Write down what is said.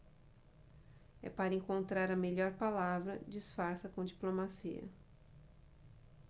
é para encontrar a melhor palavra disfarça com diplomacia